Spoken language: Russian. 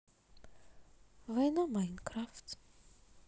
война майнкрафт